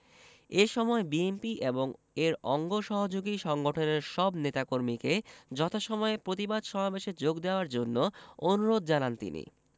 এ সময় বিএনপি এবং এর অঙ্গ সহযোগী সংগঠনের সব নেতাকর্মীকে যথাসময়ে প্রতিবাদ সমাবেশে যোগ দেয়ার জন্য অনুরোধ জানান তিনি